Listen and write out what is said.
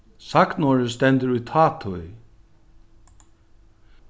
sagnorðið stendur í tátíð